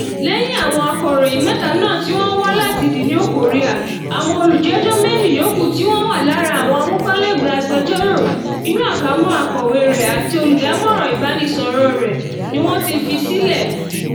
Lẹ́yìn àwọn akọ̀ròyìn mẹ́ta náà tí wọ́n wá láti The New Courier, àwọn olùjẹ́jọ́ méjì yòókù tí wọ́n wà lára àwọn amúgbálẹ́gbẹ̀ẹ́ agbẹjọ́rò (akọ̀wé rẹ̀ àti olúdámọ̀ràn ìbáraẹnisọ̀rọ̀ rẹ̀) ni wọ́n ti fi sílẹ̀.